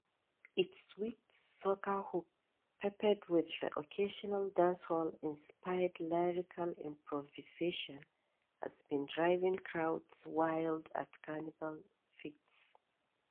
Its sweet soca hook, peppered with the occasional dancehall-inspired lyrical improvisation, has been driving crowds wild at Carnival fetes.